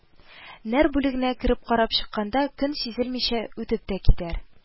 Нәр бүлегенә кереп карап чыкканда, көн сизелмичә үтеп тә китәр